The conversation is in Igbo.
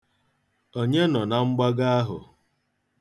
Onye nọ na mgbago ahụ?